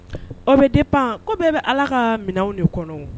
O bɛ dépend , ko bɛɛ bɛ Ala ka minɛw de kɔnɔ